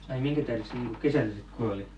ai minkä tähden se niin kuin kesällä sitten kuoli